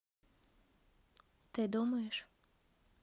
ты думаешь